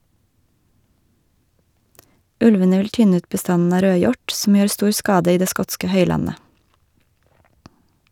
Ulvene vil tynne ut bestanden av rødhjort, som gjør stor skade i det skotske høylandet.